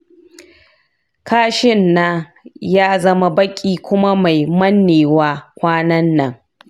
kashin na ya zama baƙi kuma mai mannewa kwanan nan.